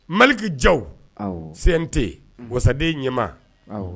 Maliki ja sente wasaden ɲɛ